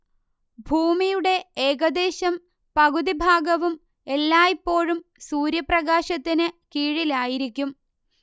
ഭൂമിയുടേ ഏകദേശം പകുതി ഭാഗവും എല്ലായ്പ്പോഴും സൂര്യപ്രകാശത്തിന്ന് കീഴിലായിരിക്കും